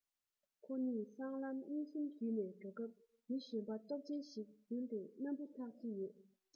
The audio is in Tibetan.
ཁོ གཉིས སྲང ལམ གཉིས གསུམ བརྒྱུད ནས འགྲོ སྐབས མི གཞོན པ སྟོབས ཆེན ཞིག མདུན དུ སྣམ སྤུ འཐགས ཀྱི ཡོད